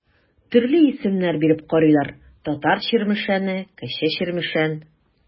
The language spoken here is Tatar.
Төрле исемнәр биреп карыйлар: Татар Чирмешәне, Кече Чирмешән.